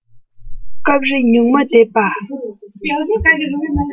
སྐབས རེ ཉུང མ འདེབས པ